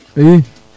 i